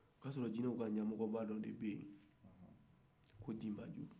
o don jin ew ka ɲɛmɔgɔ dinbaju tun be ye